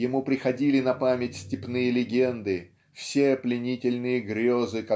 ему приходили на память степные легенды все пленительные грезы